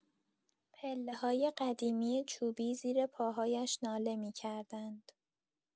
پله‌های قدیمی چوبی زیر پاهایش ناله می‌کردند.